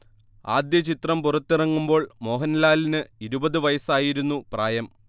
ആദ്യ ചിത്രം പുറത്തിറങ്ങുമ്പോൾ മോഹൻലാലിന് ഇരുപത് വയസ്സായിരുന്നു പ്രായം